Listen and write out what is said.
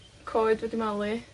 Coed wedi malu.